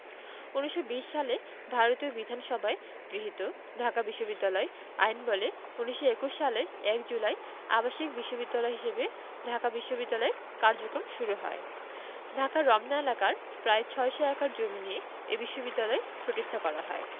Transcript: ১৯২০ সালে ভারতীয় বিধানসভায় গৃহীত ঢাকা বিশ্ববিদ্যালয় আইনবলে ১৯২১ সালের ১ জুলাই আবাসিক বিশ্ববিদ্যালয় হিসেবে ঢাকা বিশ্ববিদ্যালয়ের কার্যক্রম শুরু হয় ঢাকার রমনা এলাকার প্রায় ৬০০ একর জমি নিয়ে এ বিশ্ববিদ্যালয় প্রতিষ্ঠা করা হয়